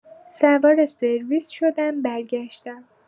سوار سرویس شدم برگشتم.